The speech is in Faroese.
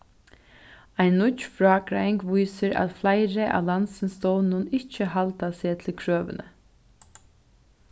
ein nýggj frágreiðing vísir at fleiri av landsins stovnum ikki halda seg til krøvini